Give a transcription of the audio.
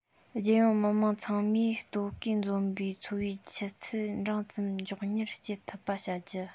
རྒྱལ ཡོངས མི དམངས ཚང མས ལྟོ གོས འཛོམས པའི འཚོ བའི ཆུ ཚད འབྲིང ཙམ མགྱོགས མྱུར སྐྱེལ ཐུབ པ བྱ རྒྱུ